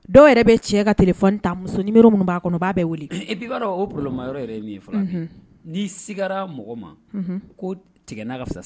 Dɔw yɛrɛ bɛ cɛ ka tiletan muso niri minnu b'a kɔnɔ b'a bɛ wuli bi'a o bolola maa yɛrɛ min ye faa n'i sigira mɔgɔ ma ko tigɛna ka fisa